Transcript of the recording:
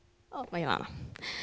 O ma' e fa'ma.